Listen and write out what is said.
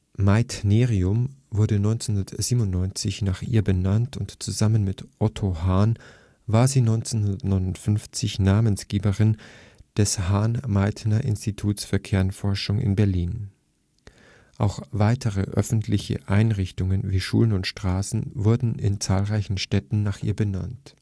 Meitnerium wurde 1997 nach ihr benannt, und zusammen mit Otto Hahn war sie 1959 Namensgeberin des Hahn-Meitner-Instituts für Kernforschung in Berlin. Auch weitere öffentliche Einrichtungen wie Schulen und Straßen wurden in zahlreichen Städten nach ihr benannt